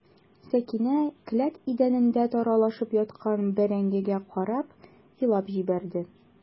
Сәкинә келәт идәнендә таралышып яткан бәрәңгегә карап елап җибәрде.